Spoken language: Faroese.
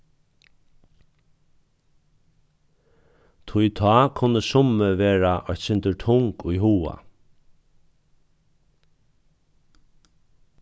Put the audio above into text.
tí tá kunnu summi vera eitt sindur tung í huga